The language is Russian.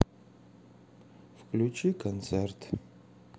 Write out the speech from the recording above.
включи концерт